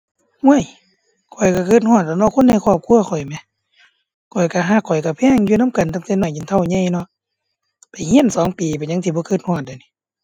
ข้อยคิดว่าอาจสิเป็นผลดีกับบางส่วน แต่ว่าสำหรับข้อยแล้วมันบ่แม่นผลดีเกี่ยวกับข้อย เพราะว่าการที่พนักงานโทรมามันก็เฮ็ดให้ก็เสียเวลาที่จะต้องฟัง ถ้าก็ตัดสายเขาไปมันก็ถือว่าก็บ่มีมารยาท